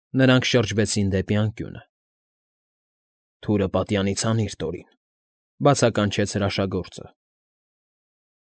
Նրանք շրջվեցին դեպի անկյունը։ ֊ Թուրը պատյանից հանիր, Տորին,֊ բացականչեց հրաշագործը։